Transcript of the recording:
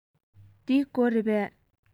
འདི སྒོ རེད པས